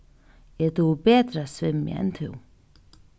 eg dugi betur at svimja enn tú